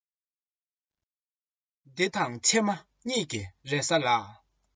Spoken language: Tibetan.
འདི དང ཕྱི མ གཉིས ཀྱི རེ ས ལ